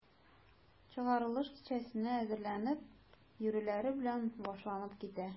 Чыгарылыш кичәсенә әзерләнеп йөрүләре белән башланып китә.